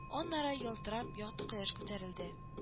Аннары, ялтырап, якты кояш күтәрелде